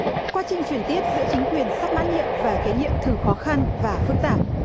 quá trình chuyển tiếp giữa chính quyền sắp mãn nhiệm và kế nhiệm thường khó khăn và phức tạp